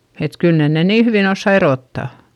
että kyllä ne ne niin hyvin osaa erottaa